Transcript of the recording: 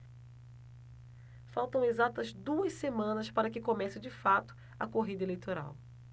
faltam exatas duas semanas para que comece de fato a corrida eleitoral